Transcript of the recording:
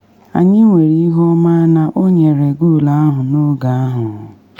Anyị nwere ihu ọma na ọ nyere goolu ahụ n’oge ahụ.”